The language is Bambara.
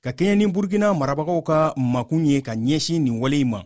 ka kɛɲɛ ni burukina marabagaw ka makun ye ka ɲɛsin nin wale in ma